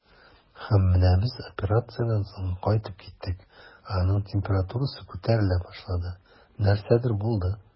Һәм менә без операциядән соң кайтып киттек, ә аның температурасы күтәрелә башлады, нәрсәдер булды.